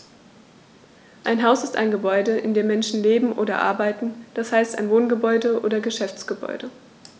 Ein Haus ist ein Gebäude, in dem Menschen leben oder arbeiten, d. h. ein Wohngebäude oder Geschäftsgebäude.